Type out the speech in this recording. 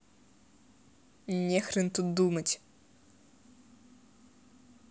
нехрен тут думать